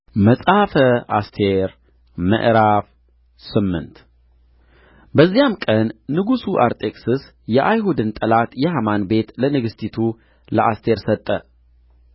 መጽሐፈ አስቴር ምዕራፍ ስምንት በዚያም ቀን ንጉሡ አርጤክስስ የአይሁድን ጠላት የሐማን ቤት ለንግሥቲቱ ለአስቴር ሰጠ